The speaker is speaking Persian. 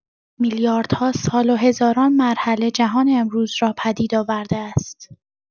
میلیاردها سال و هزاران مرحله جهان امروز را پدید آورده است.